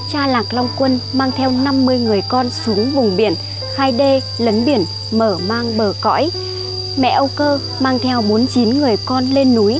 cha lạc long quân mang theo người con xuống vùng biển khai đê lấn biển mở mang bờ cõi mẹ âu cơ mang theo người con nên núi